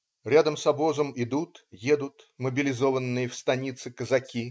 Рядом с обозом идут, едут мобилизованные в станице казаки.